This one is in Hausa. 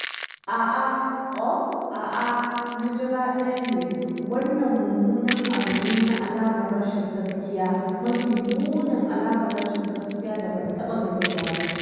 A’a, uh, a’a, na jira ɗaya ne - wannan mummunan abu ne na alamar rashin gaskiya - mafi munin alamar rashin gaskiya da ban taɓa gani ba.”